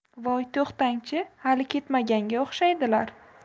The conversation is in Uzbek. voy to'xtang chi hali ketmaganga o'xshaydilar